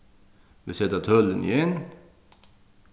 vit seta tølini inn